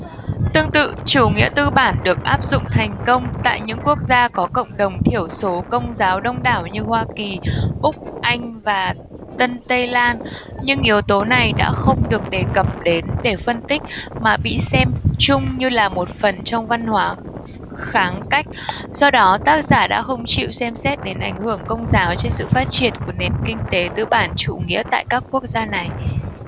tương tự chủ nghĩa tư bản được áp dụng thành công tại những quốc gia có cộng đồng thiểu số công giáo đông đảo như hoa kỳ úc anh và tân tây lan nhưng yếu tố này đã không được đề cập đến để phân tích mà bị xem chung như là một phần trong văn hóa kháng cách do đó tác giả đã không chịu xem xét đến ảnh hưởng công giáo trên sự phát triển của nền kinh tế tư bản chủ nghĩa tại các quốc gia này